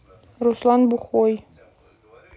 руслан бухой